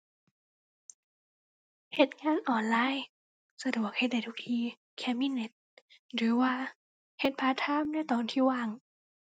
เฮ็ดงานออนไลน์สะดวก เฮ็ดได้ทุกที่แค่มีเน็ต หรือว่าเฮ็ดพาร์ตไทม์ในตอนที่ว่าง